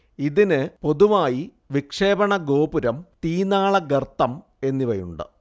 ഇതിനു പൊതുവായി വിക്ഷേപണ ഗോപുരം തീനാളഗർത്തം എന്നിവയുണ്ട്